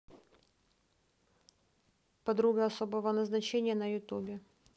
подруга особого назначения на ютюбе